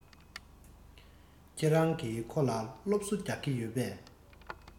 ཁྱེད རང གིས ཁོ ལ སློབ གསོ རྒྱག གི ཡོད པས